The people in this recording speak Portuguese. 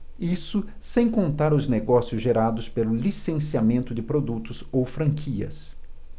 isso sem contar os negócios gerados pelo licenciamento de produtos ou franquias